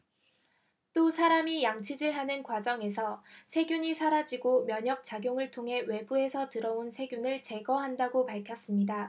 또 사람이 양치질하는 과정에서 세균이 사라지고 면역작용을 통해 외부에서 들어온 세균을 제거한다고 밝혔습니다